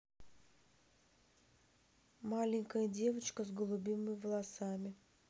маленькая девочка с голубыми волосами